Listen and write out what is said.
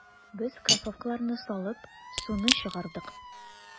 Без кроссовкаларны салып, суны чыгардык.